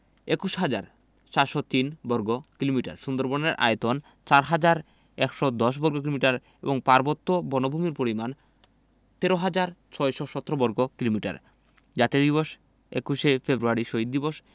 ২১হাজার ৪০৩ বর্গ কিলোমিটার সুন্দরবনের আয়তন ৪হাজার ১১০ বর্গ কিলোমিটার এবং পার্বত্য বনভূমির পরিমাণ ১৩হাজার ৬১৭ বর্গ কিলোমিটার জাতীয় দিবসঃ ২১শে ফেব্রুয়ারি শহীদ দিবস